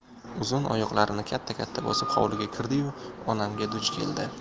uzun oyoqlarini katta katta bosib hovliga kirdiyu onamga duch keldi